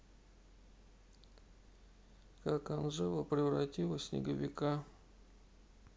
как анжела превратилась в снеговика